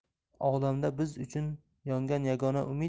olamda biz uchun yongan yagona